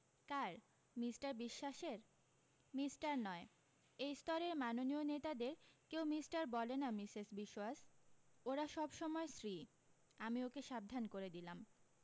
কার mister বিশ্বাসের mister নয় এই স্তরের মাননীয় নেতাদের কেউ মিষ্টার বলে না মিসেস বিশোয়াস ওরা সব সময় শ্রী আমি ওকে সাবধান করে দিলাম